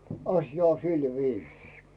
asia on sillä viisin